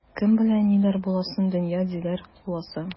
Кем белә ниләр буласын, дөнья, диләр, куласа.